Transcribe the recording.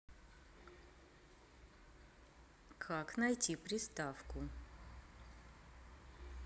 как найти приставку